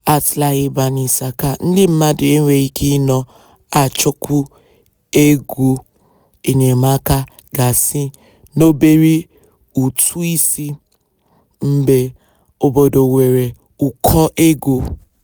@LahibBaniSakher Ndị mmadụ enweghị ike ịnọ achọkwu ego enyemaka gasị na obere ụtụ isi, mgbe obodo nwere ụkọ ego.